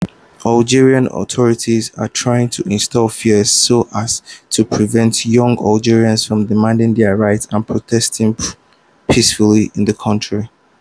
“Algerian authorities are trying to instill fear so as to prevent young Algerians from demanding their rights and protesting peacefully in the country.